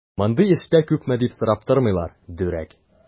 Мондый эштә күпме дип сорап тормыйлар, дүрәк!